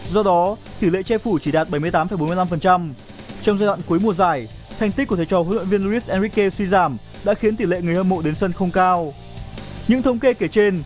do đó tỷ lệ che phủ chỉ đạt bảy mươi tám phẩy bốn mươi lăm phần trăm trong giai đoạn cuối mùa giải thành tích của thầy trò huấn luyện viên rít en rích kê suy giảm đã khiến tỷ lệ người hâm mộ đến sân không cao những thống kê kể trên